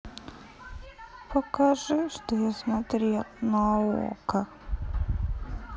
покажи что я смотрел на окко